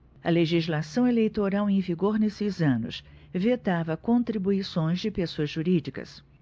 a legislação eleitoral em vigor nesses anos vetava contribuições de pessoas jurídicas